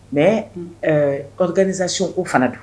Mɛ kanizsi o fana don